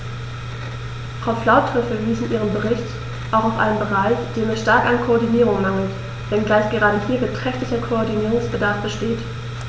Frau Flautre verwies in ihrem Bericht auch auf einen Bereich, dem es stark an Koordinierung mangelt, wenngleich gerade hier beträchtlicher Koordinierungsbedarf besteht.